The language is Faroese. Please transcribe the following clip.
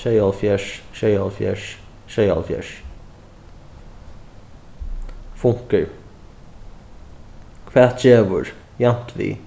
sjeyoghálvfjerðs sjeyoghálvfjerðs sjeyoghálvfjerðs funkur hvat gevur javnt við